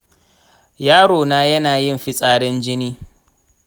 yaro na yana yin fitsarin jini.